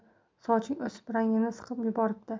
soching o'sib rangingni siqib yuboribdi